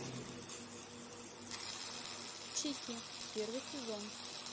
чики первый сезон